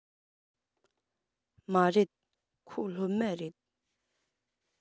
མ རེད ཁོ སློབ མ རེད